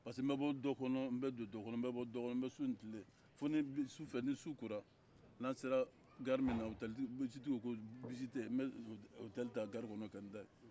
parce que n bɛ bɔ dɔ kɔnɔ ka don dɔ kɔnɔ su ni tile fo ni su kora n'an sera gari minna ni mobilitigiw ko ko mobili te yen n bɛ dunanjiginso ta ka n da yen